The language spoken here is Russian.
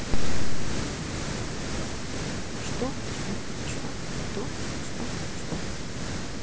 что что что то что что